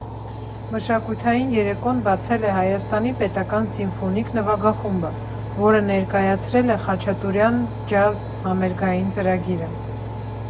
Մշակութային երեկոն բացել է Հայաստանի պետական սիմֆոնիկ նվագախումբը, որը ներկայացրել է «Խաչատուրյան ջազ» համերգային ծրագիրը։